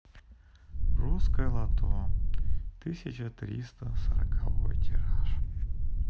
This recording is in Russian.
русское лото тысяча триста сороковой тираж